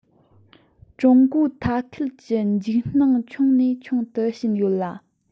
ཀྲུང གོའི མཐའ ཁུལ གྱི འཇིགས སྣང ཆུང ནས ཆུང དུ ཕྱིན ཡོད ལ